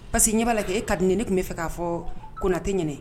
Pa que ɲɛ b'a kɛ e ka di ne tun bɛ fɛ k'a fɔ konatɛ ɲinin